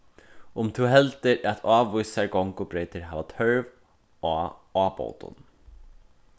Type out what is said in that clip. um tú heldur at ávísar gongubreytir hava tørv á ábótum